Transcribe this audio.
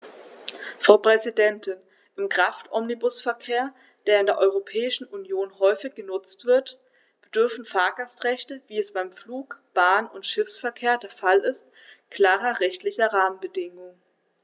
Frau Präsidentin, im Kraftomnibusverkehr, der in der Europäischen Union häufig genutzt wird, bedürfen Fahrgastrechte, wie es beim Flug-, Bahn- und Schiffsverkehr der Fall ist, klarer rechtlicher Rahmenbedingungen.